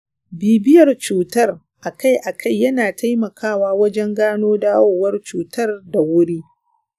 bibiyar cutar akai-akai yana taimakawa wajen gano dawowar cutar da wuri.